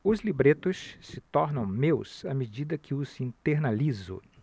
os libretos se tornam meus à medida que os internalizo